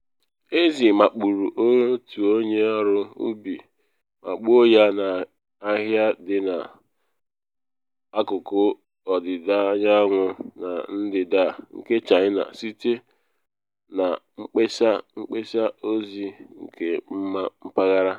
Ezi makpuru otu onye ọrụ ubi ma gbuo ya n’ahịa dị na akụkụ ọdịda anyanwụ na ndịda nke China, site na mkpesa mgbasa ozi nke mpaghara.